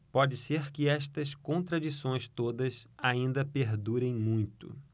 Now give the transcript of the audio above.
pode ser que estas contradições todas ainda perdurem muito